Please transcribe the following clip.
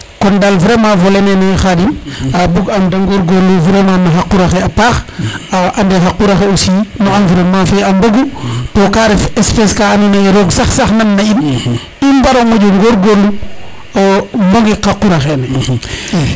kon dal vraiment volet nene khadim a bug am de ngor ngorlu vraiment naxa qura xe a paax a ande xa qura xe aussi no environnement fe a mbogu to ka ref espece ka ando naye roog sax nan na in i mbaro moƴo ngorngorlu mbokit xa qura xene